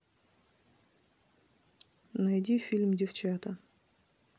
найди фильм девчата